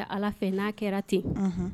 A bɛ ala fɛ n'a kɛra ten